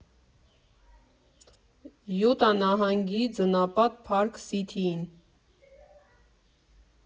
Յուտա նահանգի ձնապատ Փարք Սիթիին։